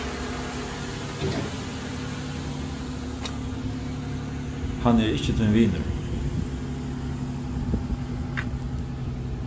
hann eri ikki tín vinur